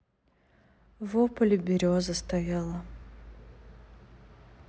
во поле береза стояла